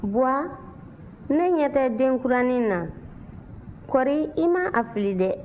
baba ne ɲɛ tɛ denkuranin na kɔri i ma a fili dɛ